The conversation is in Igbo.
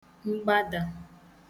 mgbadà